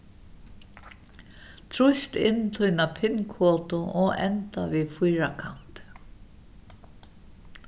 trýst inn tína pin-kodu og enda við fýrakanti